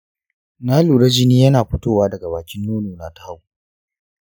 na lura jini yana fitowa daga bakin nono na ta hagu.